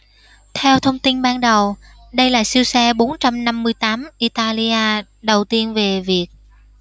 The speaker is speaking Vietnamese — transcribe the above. theo thông tin ban đầu đây là siêu xe bốn trăm năm mươi tám italia đầu tiên về việt